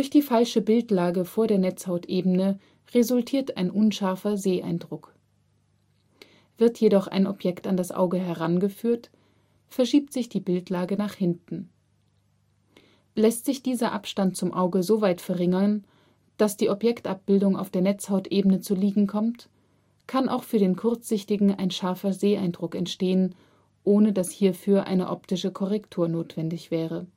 die falsche Bildlage vor der Netzhautebene resultiert ein unscharfer Seheindruck. Wird jedoch ein Objekt an das Auge herangeführt, verschiebt sich die Bildlage nach hinten. Lässt sich dieser Abstand zum Auge so weit verringern, dass die Objektabbildung auf der Netzhautebene zu liegen kommt, kann auch für den Kurzsichtigen ein scharfer Seheindruck entstehen, ohne dass hierfür eine optische Korrektur notwendig wäre